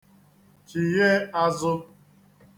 chìyie āzụ̄